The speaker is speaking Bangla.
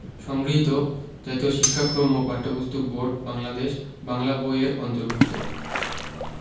সংগৃহীত জাতীয় শিক্ষাক্রম ও পাঠ্যপুস্তক বোর্ড বাংলাদেশ বাংলা বই এর অন্তর্ভুক্ত